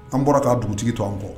An bɔra k' dugutigi to an bɔ